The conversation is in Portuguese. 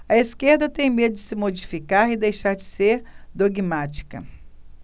a esquerda tem medo de se modificar e deixar de ser dogmática